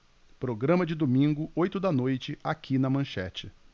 programa de domingo oito da noite aqui na manchete